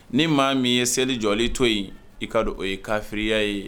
Ni maa min ye seli jɔli to yen i ka o ye kafiya ye